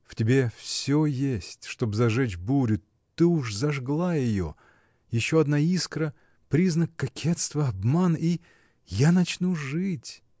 В тебе всё есть, чтоб зажечь бурю, ты уж зажгла ее: еще одна искра, признак кокетства, обман и. я начну жить.